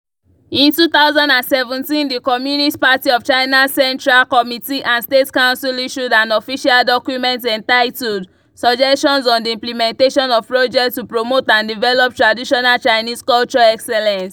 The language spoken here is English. In 2017, the Communist Party of China's central committee and state council issued an official document entitled "Suggestions on the implementation of projects to promote and develop traditional Chinese culture excellence".